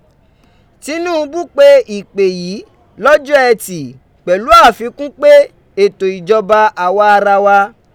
Tinubu pe ipe yìí lọjọ́ Eti pẹ̀lú àfikún pé, ètò ìjọba àwa arawa.